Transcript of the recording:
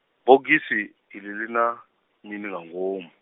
bogisi, iḽi lina, mini nga ngomu?